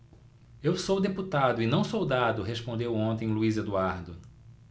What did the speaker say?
eu sou deputado e não soldado respondeu ontem luís eduardo